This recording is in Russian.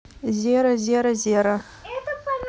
зеро зеро зеро